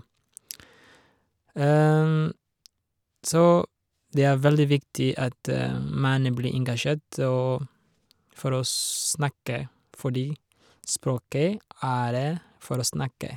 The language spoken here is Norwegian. Så det er veldig viktig at man blir engasjert å for å snakke, fordi språket er for å snakke.